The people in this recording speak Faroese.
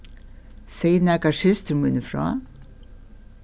segði nakar systur míni frá